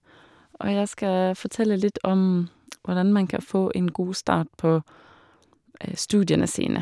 Og jeg skal fortelle litt om hvordan man kan få en god start på studiene sine.